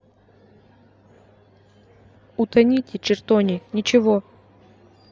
утоните чертони ничего